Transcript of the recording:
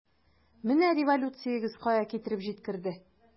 Менә революциягез кая китереп җиткерде!